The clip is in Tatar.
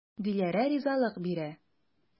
Диләрә ризалык бирә.